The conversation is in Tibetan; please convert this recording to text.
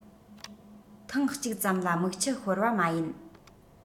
ཐེངས གཅིག ཙམ ལ མིག ཆུ ཤོར བ མ ཡིན